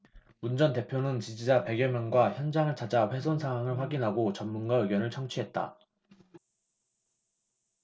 문 전 대표는 지지자 백 여명과 현장을 찾아 훼손 상황을 확인하고 전문가 의견을 청취했다